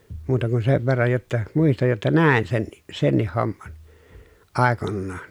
muuta kuin sen verran jotta muistan jotta näen senkin senkin homman aikoinaan